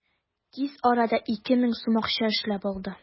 Тиз арада 2000 сум акча эшләп алды.